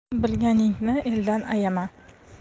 bilganingni eldan ayama